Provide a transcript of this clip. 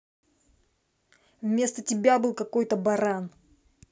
вместо тебя был какой то баран